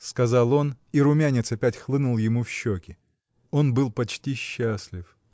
— сказал он — и румянец опять хлынул ему в щеки. Он был почти счастлив.